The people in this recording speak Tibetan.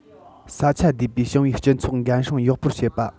ས ཆ བསྡུས པའི ཞིང པའི སྤྱི ཚོགས འགན སྲུང ཡག པོར བྱེད པ